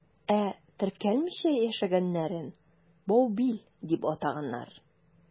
Ә теркәлмичә яшәгәннәрен «баубил» дип атаганнар.